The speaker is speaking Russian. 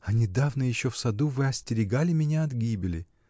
— А недавно еще в саду вы остерегали меня от гибели!.